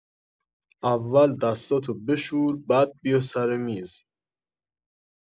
اول دستاتو بشور بعد بیا سر میز